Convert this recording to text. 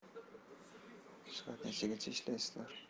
soat nechagacha ishlaysizlar